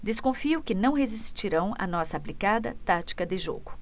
desconfio que não resistirão à nossa aplicada tática de jogo